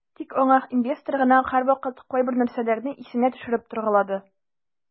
Тик аңа инвестор гына һәрвакыт кайбер нәрсәләрне исенә төшереп торгалады.